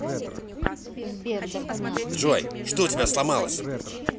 джой что у тебя сломалось